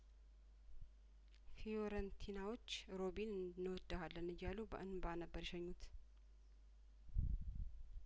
ፊዮረንቲናዎች ሮቢን እንወድሀለን እያሉ በእንባ ነበር የሸኙት